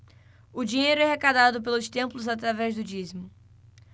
o dinheiro é arrecadado pelos templos através do dízimo